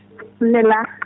hamdillah